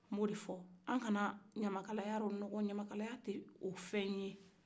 n bɛ o de fɔ an kana ɲamakalaya lanɔgɔ ɲamakalaya tɛ o fɛn ye